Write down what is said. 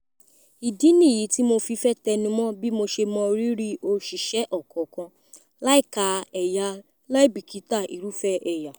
Ìdí nìyí tí mo fi fẹ́ tẹnumọ́ bí mo ṣe mọ rírì òṣìṣẹ́ ọ̀kọ̀ọ̀kan, láì kà ẹ̀yà kláìbìkítà irúfẹ́ ẹ̀yà.